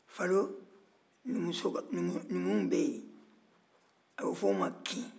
falo numuw bɛ yen a bɛ fɔ o ma kin